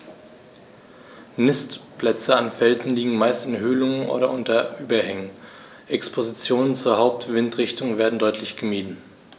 Nistplätze an Felsen liegen meist in Höhlungen oder unter Überhängen, Expositionen zur Hauptwindrichtung werden deutlich gemieden.